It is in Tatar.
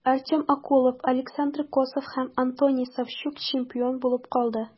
Артем Окулов, Алексей Косов һәм Антоний Савчук чемпион булып калды.